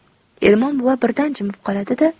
ermon buva birdan jimib qoladi da